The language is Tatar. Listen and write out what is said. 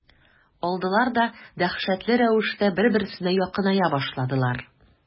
Алдылар да дәһшәтле рәвештә бер-берсенә якыная башладылар.